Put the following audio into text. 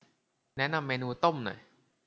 แนะนำเมนูต้มหน่อย